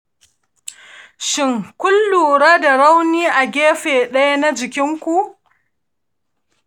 shin, kun lura da rauni a gefe ɗaya na jikin ku?